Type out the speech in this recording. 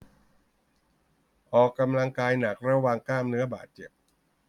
ออกกำลังกายหนักระวังกล้ามเนื้อบาดเจ็บ